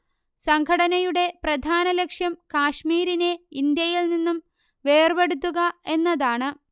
സംഘടനയുടെ പ്രധാനലക്ഷ്യം കാശ്മീരിനെ ഇന്ത്യയിൽ നിന്നും വേർപെടുത്തുക എന്നതാണ്